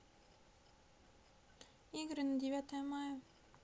игры на девятое мая